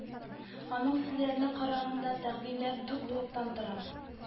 Аның сүзләренә караганда, тәкъдимнәр дүрт блоктан тора.